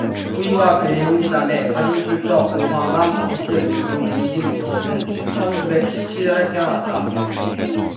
푸이와 그의 형제자매 사진출처 봉황망 다섯째 공주 윈신윈신은 천 구백 십 칠 년에 태어났다